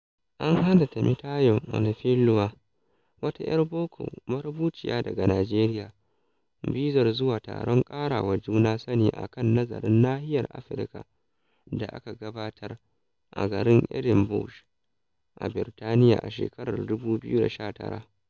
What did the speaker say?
An hana Temitayo Olofinlua, wata 'yar boko marubuciya daga Nijeriya, bizar zuwa taron ƙarawa juna sani a kan nazarin nahiyar Afirka da aka gabatar a garin Edinburgh a Birtaniya a shekarar 2019.